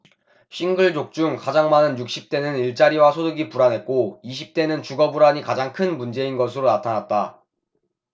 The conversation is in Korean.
싱글족 중 가장 많은 육십 대는 일자리와 소득이 불안했고 이십 대는 주거 불안이 가장 큰 문제인 것으로 나타났다